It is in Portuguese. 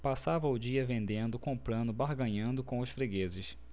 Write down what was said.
passava o dia vendendo comprando barganhando com os fregueses